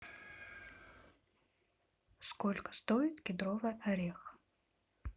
сколько стоит кедровый орех